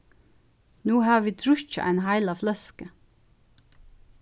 nú hava vit drukkið eina heila fløsku